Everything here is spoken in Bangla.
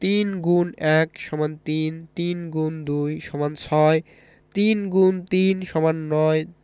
৩ X ১ = ৩ ৩ X ২ = ৬ ৩ × ৩ = ৯